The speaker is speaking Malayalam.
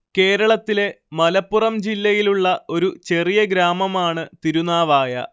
കേരളത്തിലെ മലപ്പുറം ജില്ലയിലുള്ള ഒരു ചെറിയ ഗ്രാമമാണ് തിരുനാവായ